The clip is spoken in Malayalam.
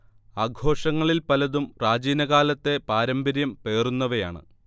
ആഘോഷങ്ങളിൽ പലതും പ്രാചീനകാലത്തെ പാരമ്പര്യം പേറുന്നവയാണ്